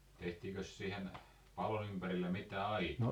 tehtiinkös siihen palon ympärille mitään aitaa